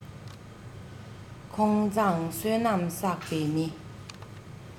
ཁོང མཛངས བསོད ནམས བསགས པའི མི